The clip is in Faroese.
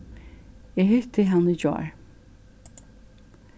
eg hitti hana í gjár